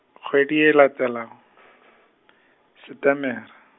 kgwedi ye latelago , Setemere.